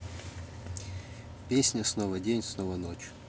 песня снова день снова ночь